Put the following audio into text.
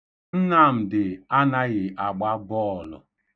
Nnamdị anaghị agba bọọlụ.